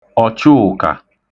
ọ̀chụụ̀kà